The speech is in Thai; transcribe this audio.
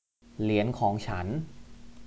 เหรียญของฉัน